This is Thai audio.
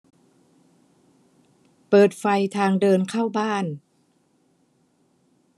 เปิดไฟทางเดินเข้าบ้าน